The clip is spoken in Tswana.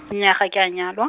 nnyaa ga ke a nyalwa.